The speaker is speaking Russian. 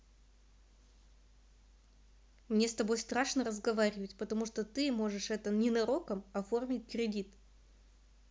мне с тобой страшно разговаривать потому что ты можешь это ненароком оформить кредит